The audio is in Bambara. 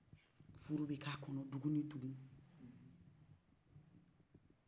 furu bɛ k'a kɔnɔ dugu ni dugu